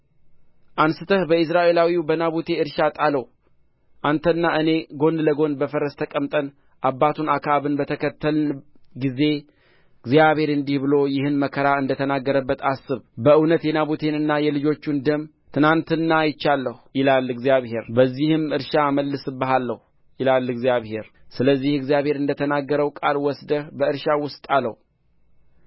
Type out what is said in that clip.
አንሥተህ በኢይዝራኤላዊው በናቡቴ እርሻ ጣለው አንተና እኔ ጎን ለጎን በፈረስ ተቀምጠን አባቱን አክዓብን በተከተልን ጊዜ እግዚአብሔር እንዲህ ብሎ ይህን መከራ እንደ ተናገረበት አስብ በእውነት የናቡቴንና የልጆቹን ደም ትናንትና አይቻለሁ ይላል እግዚአብሔር በዚህም እርሻ እመልስብሃለሁ ይላል እግዚአብሔር ስለዚህ እግዚአብሔር እንደ ተናገረው ቃል ወስደህ በእርሻው ውስጥ ጣለው